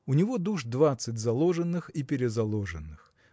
у него душ двадцать заложенных и перезаложенных